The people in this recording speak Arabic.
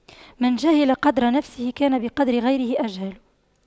من جهل قدر نفسه كان بقدر غيره أجهل